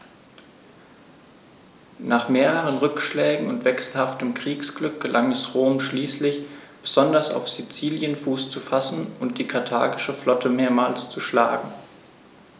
Nach mehreren Rückschlägen und wechselhaftem Kriegsglück gelang es Rom schließlich, besonders auf Sizilien Fuß zu fassen und die karthagische Flotte mehrmals zu schlagen.